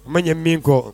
Man ye min kɔ